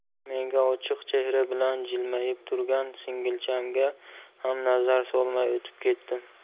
menga ochiq chehra bilan jilmayib turgan singilchamga ham nazar solmay o'tib ketdim